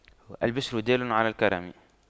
الْبِشْرَ دال على الكرم